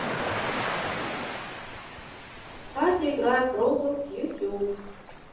катя играет в роблокс ютуб